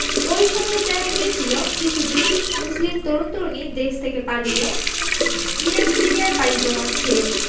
ওই সময়ই জানা গিয়েছিল কিছু ব্রিটিশ মুসলিম তরুণ তরুণী দেশ থেকে পালিয়ে ইরাক সিরিয়ায় পাড়ি জমাচ্ছে